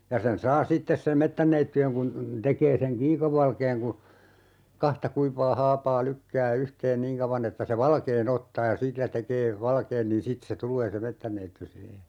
ja sen saa sitten sen metsänneidin kun tekee sen kiikovalkean kun kahta kuivaa haapaa lykkää yhteen niin kauan että se valkean ottaa ja sillä tekee valkean niin sitten se tulee se metsänneiti siihen